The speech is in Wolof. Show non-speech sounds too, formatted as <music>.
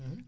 <hesitation> <hesitation>